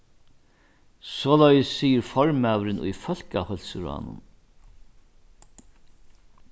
soleiðis sigur formaðurin í fólkaheilsuráðnum